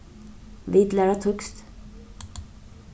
vit læra týskt